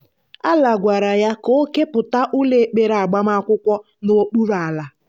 Allah gwara ya ka o kepụta ụlọ ekpere agbamakwụkwọ n'okpuru ala.